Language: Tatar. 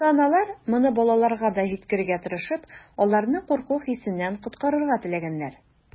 Ата-аналар, моны балаларга да җиткерергә тырышып, аларны курку хисеннән коткарырга теләгәннәр.